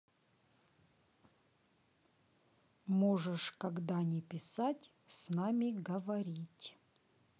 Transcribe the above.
можешь когда не писать с нами говорить